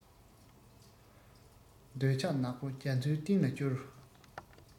འདོད ཆགས ནག པོ རྒྱ མཚོའི གཏིང ལ བསྐྱུར